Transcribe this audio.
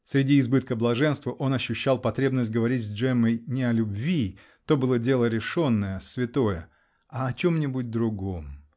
Среди избытка блаженства он ощущал потребность говорить с Джеммой не о любви -- то было дело решенное, святое, -- а о чем-нибудь другом.